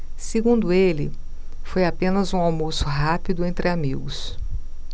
segundo ele foi apenas um almoço rápido entre amigos